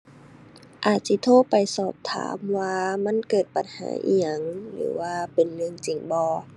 อาจจิโทรไปสอบถามว่ามันเกิดปัญหาอิหยัง หรือว่าเป็นเรื่องจริงบ่